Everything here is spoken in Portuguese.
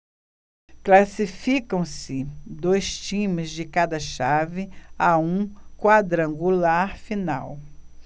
classificam-se dois times de cada chave a um quadrangular final